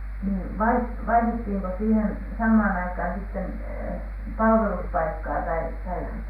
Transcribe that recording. niin - vaihdettiinko siihen samaan aikaan sitten palveluspaikkaa tai tai